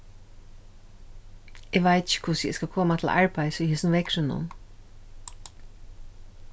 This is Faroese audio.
eg veit ikki hvussu eg skal koma til arbeiðis í hesum veðrinum